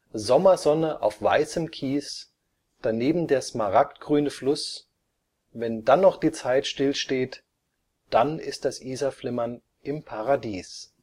Sommersonne auf weißem Kies, daneben der smaragdgrüne Fluss, wenn dann noch die Zeit still steht – dann ist das Isarflimmern im Paradies